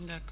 d' accord